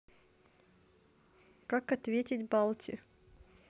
как ответить ответ balti